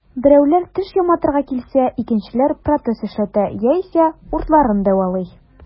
Берәүләр теш яматырга килсә, икенчеләр протез эшләтә яисә уртларын дәвалый.